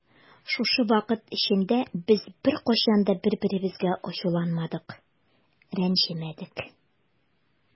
Шушы вакыт эчендә без беркайчан да бер-беребезгә ачуланмадык, рәнҗемәдек.